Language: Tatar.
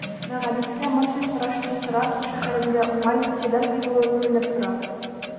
Мәгарифкә мондый карашның Саратов шәһәрендә уңай нәтиҗәләр бирүе күренеп тора.